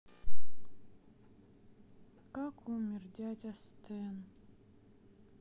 как умер дядя стэн